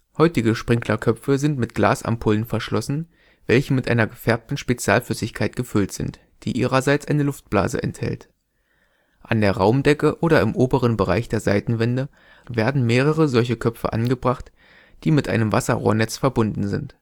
Heutige Sprinklerköpfe sind mit Glasampullen verschlossen, welche mit einer gefärbten Spezialflüssigkeit gefüllt sind, die ihrerseits eine Luftblase enthält. An der Raumdecke oder im oberen Bereich der Seitenwände werden mehrere solche Köpfe angebracht, die mit einem Wasserrohrnetz verbunden sind